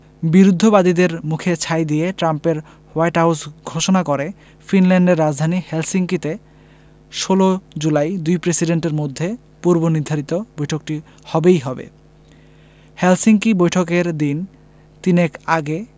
বিরুদ্ধবাদীদের মুখে ছাই দিয়ে ট্রাম্পের হোয়াইট হাউস ঘোষণা করে ফিনল্যান্ডের রাজধানী হেলসিঙ্কিতে ১৬ জুলাই দুই প্রেসিডেন্টের মধ্যে পূর্বনির্ধারিত বৈঠকটি হবেই হবে হেলসিঙ্কি বৈঠকের দিন তিনেক আগে